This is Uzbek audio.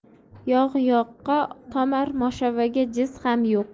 yog' yoqqa tomar moshobaga jiz ham yo'q